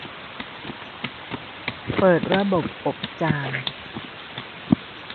เปิดระบบอบจาน